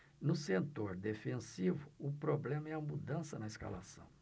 no setor defensivo o problema é a mudança na escalação